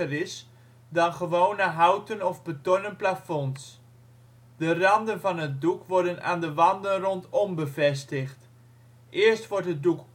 is dan gewone houten of betonnen plafonds. De randen van het doek worden aan de wanden rondom bevestigd. Eerst wordt het doek